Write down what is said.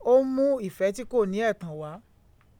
Ó ń mú ìfẹ́ tí kò ní ẹ̀tàn wá.